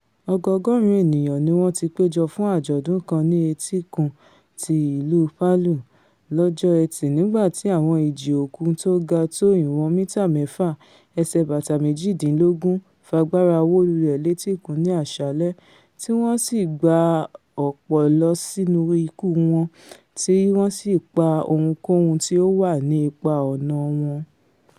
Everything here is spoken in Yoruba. Ọgọ-ọgọ́ọ̀rún ènìyàn niwọń tipéjọ fun àjọ̀dún kan ní etíkun ti ìlú Palu lọ́jọ́ Ẹtì nígbà ti àwọn ìjì òkun tóga tó ìwọ̀n mítà mẹ́fà (ẹsẹ̀ bàtà 18) fagbára wólulẹ̀ létíkun ní àṣalẹ́, tí wọ́n sì rán ọ̀pọ̀ ènìyàn lọ sọ́run tí ó sì bá ohunkóhun tó bá dínà rẹ̀.